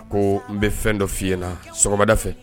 Ko n bɛ fɛn dɔ f'i ɲɛna na sɔgɔmada fɛ